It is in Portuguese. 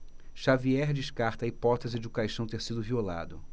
xavier descarta a hipótese de o caixão ter sido violado